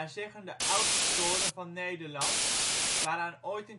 zeggen de oudste toren van Nederland, waaraan ooit